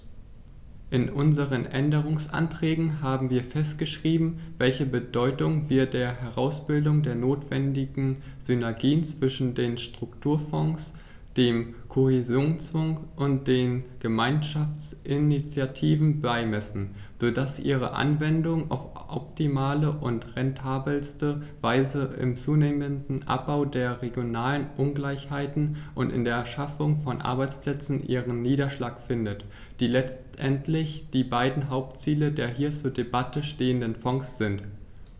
In unseren Änderungsanträgen haben wir festgeschrieben, welche Bedeutung wir der Herausbildung der notwendigen Synergien zwischen den Strukturfonds, dem Kohäsionsfonds und den Gemeinschaftsinitiativen beimessen, so dass ihre Anwendung auf optimale und rentabelste Weise im zunehmenden Abbau der regionalen Ungleichheiten und in der Schaffung von Arbeitsplätzen ihren Niederschlag findet, die letztendlich die beiden Hauptziele der hier zur Debatte stehenden Fonds sind.